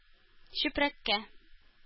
Чүпрәккә